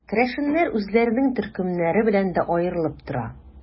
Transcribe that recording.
Керәшеннәр үзләренең төркемнәре белән дә аерылып тора.